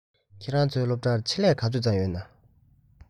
ཁྱོད རང ཚོའི སློབ གྲྭར ཆེད ལས ག ཚོད ཙམ ཡོད ན